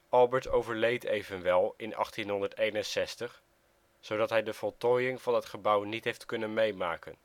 Albert overleed evenwel in 1861, zodat hij de voltooiing van het gebouw niet heeft kunnen meemaken